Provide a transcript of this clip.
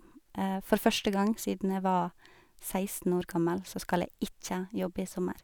For første gang siden jeg var seksten år gammel, så skal jeg ikke jobbe i sommer.